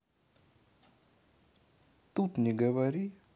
тут не говори